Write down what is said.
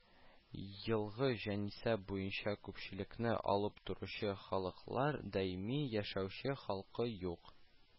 Елгы җанисәп буенча күпчелекне алып торучы халыклар: даими яшәүче халкы юк